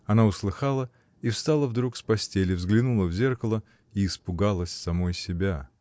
Она услыхала и встала вдруг с постели, взглянула в зеркало и испугалась самой себя.